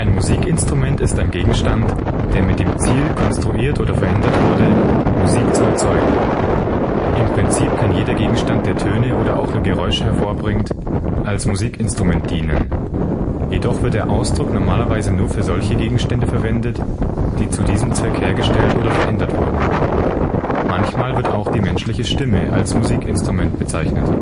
Musikinstrument ist ein Gegenstand, der mit dem Ziel konstruiert oder verändert wurde, Musik zu erzeugen. Im Prinzip kann jeder Gegenstand, der Töne oder auch nur Geräusche hervorbringt, als Musikinstrument dienen, jedoch wird der Ausdruck normalerweise nur für solche Gegenstände verwendet, die zu diesem Zweck hergestellt oder verändert wurden. Manchmal wird auch die menschliche Stimme als Musikinstrument bezeichnet